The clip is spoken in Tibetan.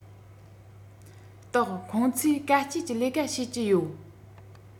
དག ཁོང ཚོས དཀའ སྤྱད ཀྱིས ལས ཀ བྱེད ཀྱི ཡོད